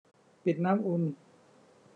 ปิดน้ำอุ่น